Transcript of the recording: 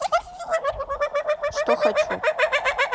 что хочу